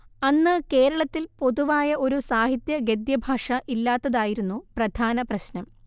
അന്ന് കേരളത്തിൽ പൊതുവായ ഒരു സാഹിത്യ ഗദ്യഭാഷ ഇല്ലാത്തതായിരുന്നു പ്രധാന പ്രശ്നം